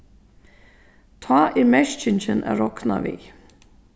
tá er merkingin at rokna við